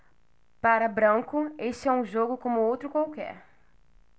para branco este é um jogo como outro qualquer